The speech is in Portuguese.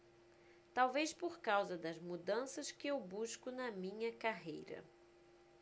talvez por causa das mudanças que eu busco na minha carreira